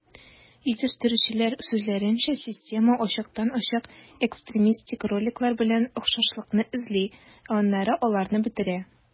Җитештерүчеләр сүзләренчә, система ачыктан-ачык экстремистик роликлар белән охшашлыкны эзли, ә аннары аларны бетерә.